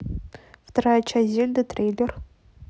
вторая часть зельды трейлер